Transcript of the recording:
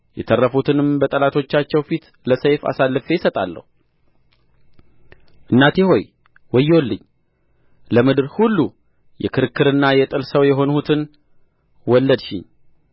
የተረፉትንም በጠላቶቻቸው ፊት ለሰይፍ አሳልፌ እሰጣለሁ እናቴ ሆይ ወዮልኝ ለምድር ሁሉ የክርክርና የጥል ሰው የሆንሁትን ወለድሽኝ